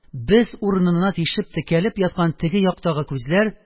Без урынына тишеп текәлеп яткан теге яктагы күзләр